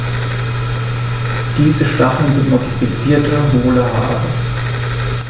Diese Stacheln sind modifizierte, hohle Haare.